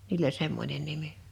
niillä oli semmoinen nimi